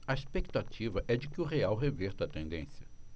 a expectativa é de que o real reverta a tendência